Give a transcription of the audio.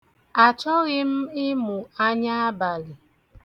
Achọghị m ịmụ anya abalị.